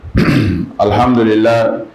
Alihamdulilalila